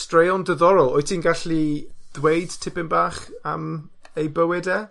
Straeon diddorol. Wyt ti'n gallu dweud tipyn bach am ei bywyd e?